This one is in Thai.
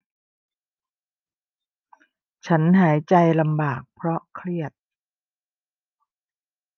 ฉันหายใจลำบากเพราะเครียด